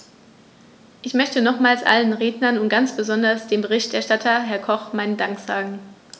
Ich möchte nochmals allen Rednern und ganz besonders dem Berichterstatter, Herrn Koch, meinen Dank sagen.